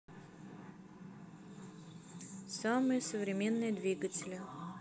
самые современные двигатели